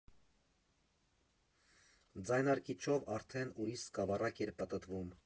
Ձայնարկիչով արդեն ուրիշ սկավառակ էր պտտվում։